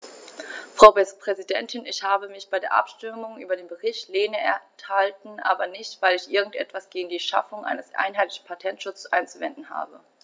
Frau Präsidentin, ich habe mich bei der Abstimmung über den Bericht Lehne enthalten, aber nicht, weil ich irgend etwas gegen die Schaffung eines einheitlichen Patentschutzes einzuwenden habe.